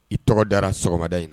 I tɔgɔ dara sɔgɔmada in na.